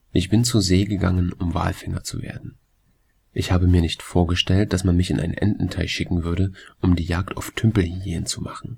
Ich bin zu See gegangen, um Walfänger zu werden. Ich habe mir nicht vorgestellt, dass man mich in einen Ententeich schicken würde, um die Jagd auf Tümpelhyänen zu machen